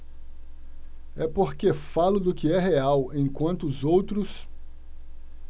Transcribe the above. é porque falo do que é real enquanto os outros